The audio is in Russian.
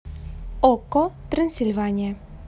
okko трансильвания